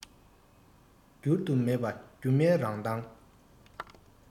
བསྒྱུར དུ མེད པ སྒྱུ མའི རང མདངས